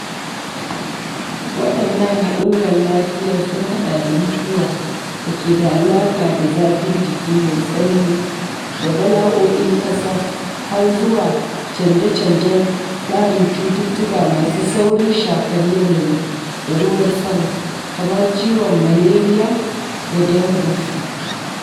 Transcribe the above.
Waɗannan haɗurran lafiyar sun haɗa da mutuwa da ke da alaƙa da zafin jiki mai tsanani da bala’o’in ƙasa, har zuwa canje-canjen tsarin cututtuka masu saurin shafar yanayi da ruwan sama, kamar ciwon Malaria da Dengue.